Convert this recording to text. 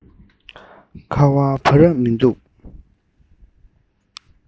ཁ བ འབབ རབས མི འདུག